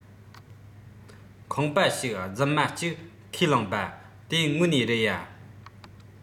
ཁང པ ཞིག རྫུན མ གཅིག ཁས བླངས པ དེ དངོས གནས རེད ཡ